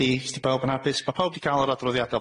'di 's 'di bawb yn hapus ma' pawb 'di ca'l yr adroddiad